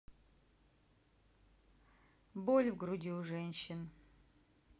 боль в груди у женщин